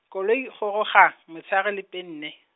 koloi e goroga, motshegare le penne.